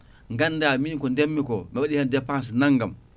ganda min ko ndemmi ko mi waɗi hen dépense naggam